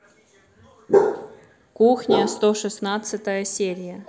кухня сто шестнадцатая серия